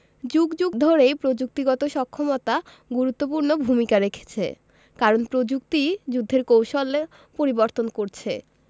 যুগ যুগ ধরেই প্রযুক্তিগত সক্ষমতা গুরুত্বপূর্ণ ভূমিকা রেখেছে কারণ প্রযুক্তিই যুদ্ধের কৌশল পরিবর্তন করছে